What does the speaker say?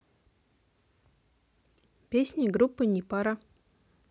песни группы непара